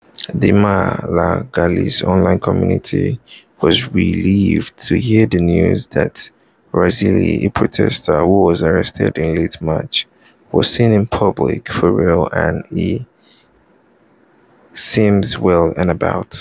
The Malagasy online community was relieved to hear the news that Razily, a protester who was arrested in late March, was seen in public (fr) and he seems well and about.